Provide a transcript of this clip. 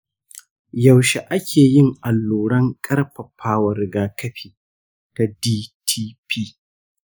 yaushe ake yin alluran ƙarfafawa rigakafi ta dtp?